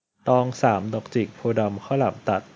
ตองสามดอกจิกโพธิ์ดำข้าวหลามตัด